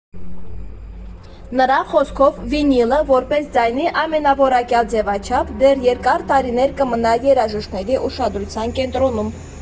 Նրա խոսքով՝ վինիլը՝ որպես ձայնի ամենաորակյալ ձևաչափ, դեռ երկար տարիներ կմնա երաժիշտների ուշադրության կենտրոնում։